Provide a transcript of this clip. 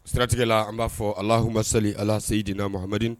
Siratigɛ la an b'a fɔ